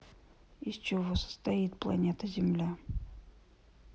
из чего состоит планета земля